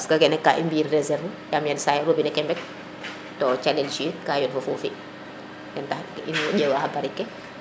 parce kene ka i mbi in reserve yaam yenisaan robinet ke mbegto cajel keke ka yoon fo fofi ten taxu i njewa no barig ke